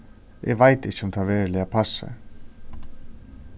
eg veit ikki um tað veruliga passar